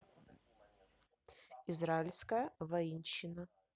израильская воинщина